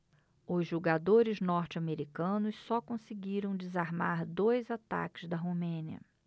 os jogadores norte-americanos só conseguiram desarmar dois ataques da romênia